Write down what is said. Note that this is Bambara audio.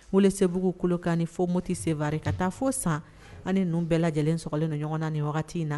Wolo sebugu kolokan fɔ moti sebaari ka taa fɔ san ani ninnu bɛɛ lajɛlen slen don ɲɔgɔn na ni wagati in na